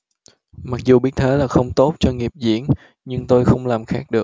mặc dù biết thế là không tốt cho nghiệp diễn nhưng tôi không làm khác được